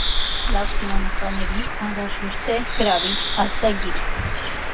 Լավ կինոնկարին անհրաժեշտ է լավ, գրավիչ ազդագիր։